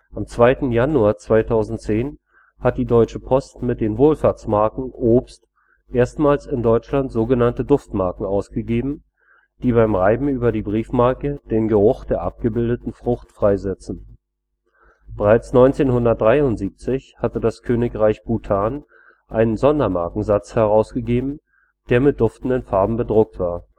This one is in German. Am 2. Januar 2010 hat die Deutsche Post mit den Wohlfahrtsmarken „ Obst “erstmals in Deutschland sogenannte Duftmarken ausgegeben, die beim Reiben über die Briefmarke den Geruch der abgebildeten Frucht freisetzen. Bereits 1973 hatte das Königreich Bhutan einen Sondermarkensatz herausgegeben, der mit duftenden Farben bedruckt war